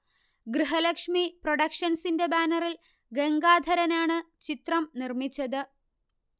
ഗൃഹലക്ഷ്മി പ്രൊഡക്ഷൻസിന്റെ ബാനറിൽ ഗംഗാധരനാണ് ചിത്രം നിർമ്മിച്ചത്